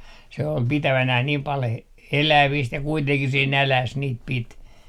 se oli pitävinään niin paljon - elävistä ja kuitenkin se nälässä niitä piti